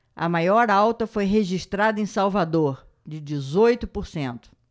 a maior alta foi registrada em salvador de dezoito por cento